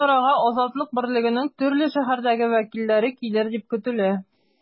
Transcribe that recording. Бу чарага “Азатлык” берлегенең төрле шәһәрдәге вәкилләре килер дип көтелә.